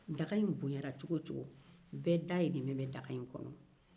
daga in bonya cogo o cogo bɛɛ dahirimɛ bɛ daga in kɔnɔ